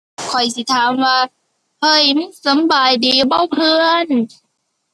ข้อยสิถามว่า เฮ้ย มึงสำบายดีบ่เพื่อน